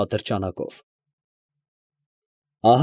Ատրճանակով…։